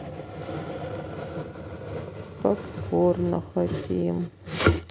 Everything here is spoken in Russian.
попкорна хотим